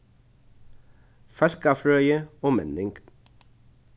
fólkafrøði og menning